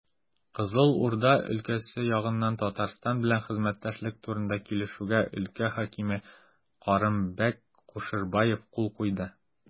Кызыл Урда өлкәсе ягыннан Татарстан белән хезмәттәшлек турында килешүгә өлкә хакиме Кырымбәк Кушербаев кул куйды.